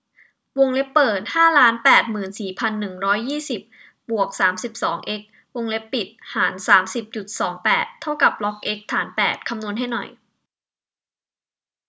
วงเล็บเปิดห้าล้านแปดหมื่นสี่พันหนึ่งร้อยยี่สิบบวกสามสิบสองเอ็กซ์วงเล็บปิดหารสามสิบจุดสองแปดเท่ากับล็อกเอ็กซ์ฐานแปดคำนวณให้หน่อย